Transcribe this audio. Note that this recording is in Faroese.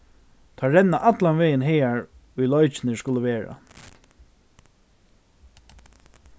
teir renna allan vegin hagar ið leikirnir skulu vera